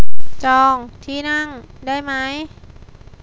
จองที่นั่งได้ไหม